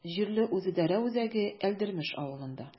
Җирле үзидарә үзәге Әлдермеш авылында.